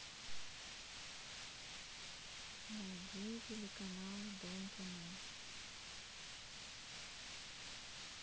найди телеканал дом кино